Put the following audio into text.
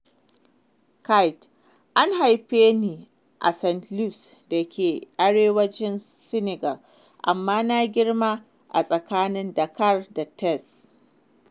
Keyti: An haife ni a Saint-Louis da yake arewacin Senegal, amma na girma a tsakanin Dakar da Thiès.